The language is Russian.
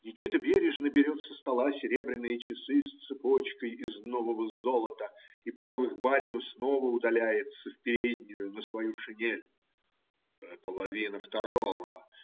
Никита бережно берет со стола серебряные часы с цепочкой из нового золота и, подав их барину, снова удаляется в переднюю на свою шинель. "Половина второго.